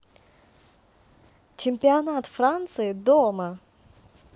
чемпионат франции дома